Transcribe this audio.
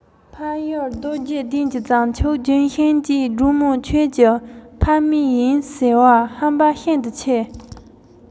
འཕགས ཡུལ རྡོ རྗེ གདན གྱི བྱང ཆུབ ལྗོན ཤིང བཅས སྤྲང མོ ཁྱོད ཀྱི ཕ མེས ཡིན ཟེར བ ཧམ པ ཤིན ཏུ ཆེ